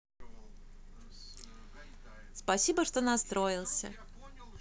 спасибо что настроился